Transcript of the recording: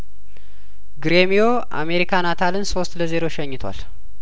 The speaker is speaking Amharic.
ግሬሚዮ አሜሪካናታልን ሶስት ለዜሮ ሸኝቷል